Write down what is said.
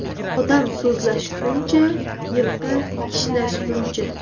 odam so'zlashguncha yilqi kishnashguncha